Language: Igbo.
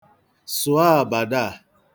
Sụọ abada a!